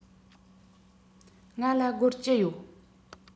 ང ལ སྒོར བཅུ ཡོད